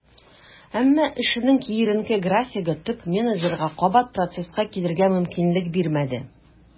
Әмма эшенең киеренке графигы топ-менеджерга кабат процесска килергә мөмкинлек бирмәде.